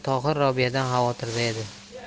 tohir robiyadan xavotirda edi